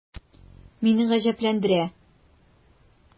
Мине гаҗәпләндерә: